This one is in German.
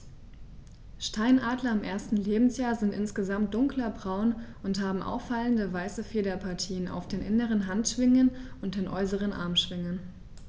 Steinadler im ersten Lebensjahr sind insgesamt dunkler braun und haben auffallende, weiße Federpartien auf den inneren Handschwingen und den äußeren Armschwingen.